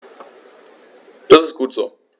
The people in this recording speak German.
Das ist gut so.